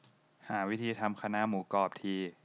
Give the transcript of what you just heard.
หาวิธีทำคะน้าหมูกรอบที